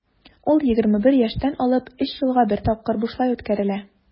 Ул 21 яшьтән алып 3 елга бер тапкыр бушлай үткәрелә.